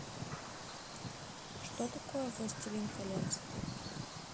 что такое властелин колец